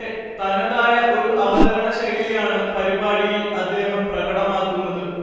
തനതായ ഒരു അവതരണ ശൈലിയാണ് പരിപാടിയിൽ അദ്ദേഹം പ്രകടമാക്കുന്നത്